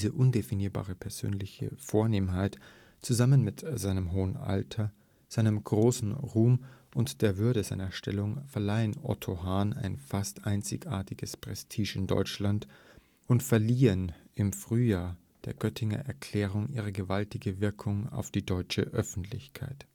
undefinierbare persönliche Vornehmheit, zusammen mit seinem hohen Alter, seinem großen Ruhm und der Würde seiner Stellung verleihen Otto Hahn ein fast einzigartiges Prestige in Deutschland und verliehen im Fühjahr der Göttinger Erklärung ihre gewaltige Wirkung auf die deutsche Öffentlichkeit